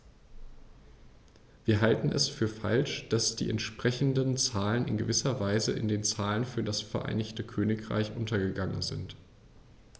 Wir halten es für falsch, dass die entsprechenden Zahlen in gewisser Weise in den Zahlen für das Vereinigte Königreich untergegangen sind.